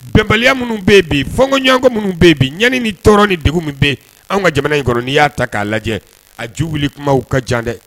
Bɛnbbaliya minnu bɛ bi fɔɔnɲɔgɔnkɔ minnu bɛ bi ɲani ni tɔɔrɔ ni dugu min bɛ an ka jamana in kɔniɔrɔnini y'a ta k'a lajɛ a ju wuli kumaw ka jan dɛ